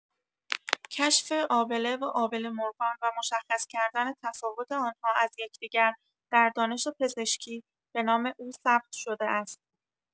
کشف آبله و آبله‌مرغان و مشخص کردن تفاوت آنها از یکدیگر در دانش پزشکی، به‌نام او ثبت شده است.